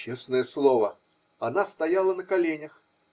Честное слово, она стояла на коленях.